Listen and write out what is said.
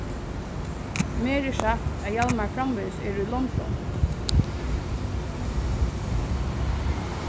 mær er sagt at hjalmar framvegis er í london